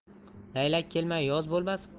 laylak kelmay yoz bo'lmas